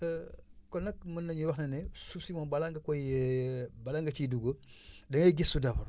kon nag mën nañu wax ne ne suuf si moom balaa nga koy bala nga ciy dugg da ngay gëstu d' abord